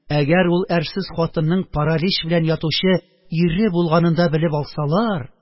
Гәр ул әрсез хатынның паралич 62 белән ятучы ире булганын да белеп алсалар?